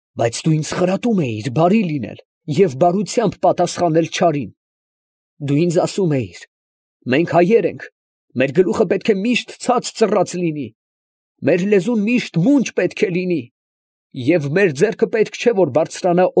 Բայց դու ինձ խրատում էիր բարի լինել և բարությամբ պատասխանել չարին. դու ինձ ասում էիր. «Մենք հայեր ենք, մեր գլուխը պետք է միշտ ցած ծռած լինի, մեր լեզուն միշտ մունջ պետք է լինի և մեր ձեռքը պետք չէ, որ բարձրանա։